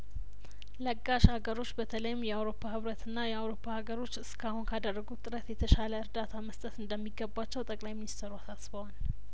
ለጋሽ አገሮች በተለይም የአውሮፓ ህብረትና የአውሮፓ ሀገሮች እስካሁን ካደረጉት ጥረት የተሻለእርዳታ መስጠት እንደሚገባቸው ጠቅላይ ሚኒስተሩ አሳ ስበዋል